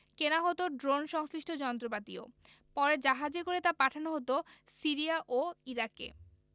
কেনা হতো ড্রোন সংশ্লিষ্ট যন্ত্রপাতিও পরে জাহাজে করে তা পাঠানো হতো সিরিয়া ও ইরাকে